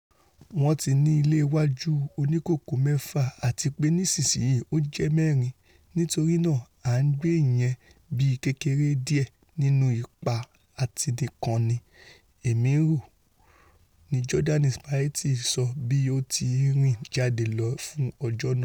Wọ́n ti ní ìléwájú oníkókó-mẹ́fà àtipé nísinsìnyí ó jẹ́ mẹ́rin, nítorínáà a ńgbé ìyẹn bíi kékeré díẹ̀ nínú ipá-atini kan ní Èmi rò,'' ni Jordan Spieth sọ bí ó tì rìn jáde lọ fún ọjọ́ náà.